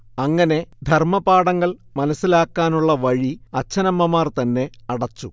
അങ്ങനെ ധർമപാഠങ്ങൾ മനസ്സിലാക്കാനുള്ള വഴി അച്ഛനമ്മമാർതന്നെ അടച്ചു